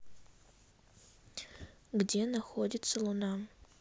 где находится луна